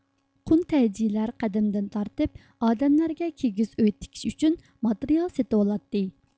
قۇنتەيجىلەر قەدىمدىن تارتىپ ئادەملەرگە كىگىز ئۆي تىكىش ئۈچۈن ماتېرىيال سېتىۋالاتتى